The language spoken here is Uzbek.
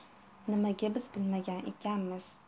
nimaga biz bilmagan ekanmiz